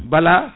bala